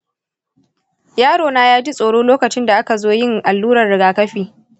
yaro na ya ji tsoro lokacin da aka zo yin allurar rigakafi.